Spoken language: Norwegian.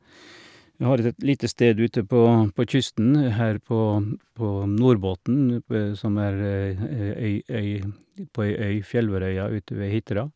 Vi har oss et lite sted ute på på kysten her på m på Nordbotten utp som er øy øy utpå ei øy, Fjellværøya, ute ved Hitra.